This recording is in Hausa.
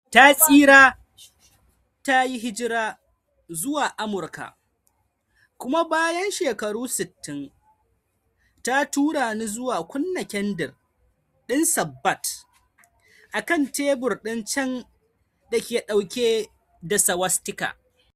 Ta tsira, ta yi hijira zuwa Amurka, kuma bayan shekaru 60, ta tura ni zuwa kunna kendir din sabbath a kan tebur din can da ke dauke da swastika.